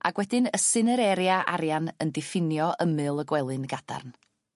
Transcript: ag wedyn y cineraria arian yn diffinio ymyl y gwely'n gadarn.